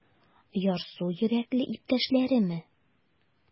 Ярсу йөрәкле иптәшләреме?